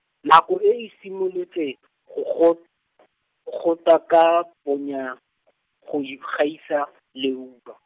nako e e simolotse, go go , go taka bonya , goi- gaisa, leuba.